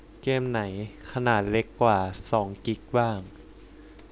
เกมไหนขนาดเล็กกว่าสองกิ๊กบ้าง